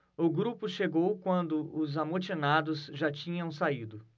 o grupo chegou quando os amotinados já tinham saído